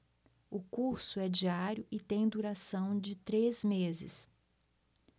o curso é diário e tem duração de três meses